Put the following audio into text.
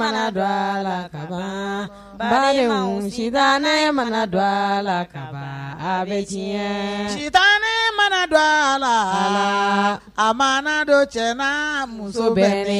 Mana dɔ a la ka bali sita ne mana dɔ a la ka bɛ diɲɛ sita ne mana dɔ a la a ma dɔ cɛ muso bɛ ne